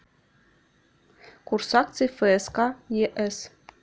курс акций фск еэс